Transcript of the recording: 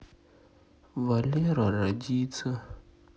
валера родится